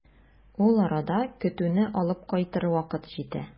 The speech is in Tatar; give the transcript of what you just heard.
Ул арада көтүне алып кайтыр вакыт җитә.